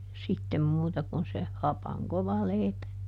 sitten muuta kuin se hapan kova leipä